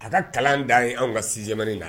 A ka kalan dan ye anw ka 6 la